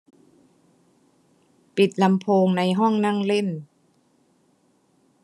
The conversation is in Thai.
ปิดลำโพงในห้องนั่งเล่น